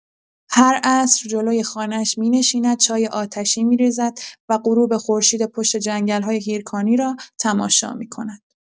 هر عصر جلوی خانه‌اش می‌نشیند، چای آتشی می‌ریزد و غروب خورشید پشت جنگل‌های هیرکانی را تماشا می‌کند.